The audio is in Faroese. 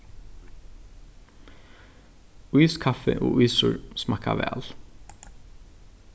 ískaffi og ísur smakka væl